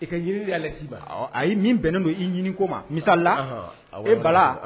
I ka jiri a ye min bɛnnen don i ɲini ko ma misisa la ye bala